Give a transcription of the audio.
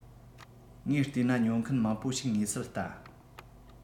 ངས བལྟས ན ཉོ མཁན མང པོ ཞིག ངེས ཚུལ ལྟ